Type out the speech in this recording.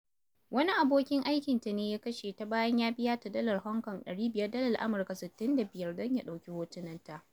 Wani abokin aikinta ne ya kashe ta, bayan ya biya ta Dala HK$500 (Dalar Amurka 65) don ya ɗauki hotunanta.